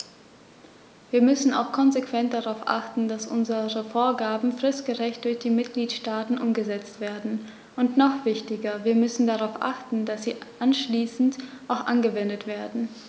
Wir müssen auch konsequent darauf achten, dass unsere Vorgaben fristgerecht durch die Mitgliedstaaten umgesetzt werden, und noch wichtiger, wir müssen darauf achten, dass sie anschließend auch angewendet werden.